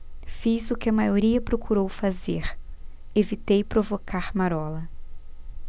fiz o que a maioria procurou fazer evitei provocar marola